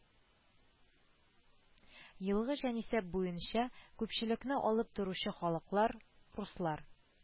Елгы җанисәп буенча күпчелекне алып торучы халыклар: руслар